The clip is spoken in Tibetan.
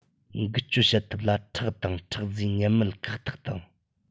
འགུལ སྐྱོད བྱེད ཐབས ལ ཁྲག དང ཁྲག རྫས ཉེན མེད ཁག ཐེག དང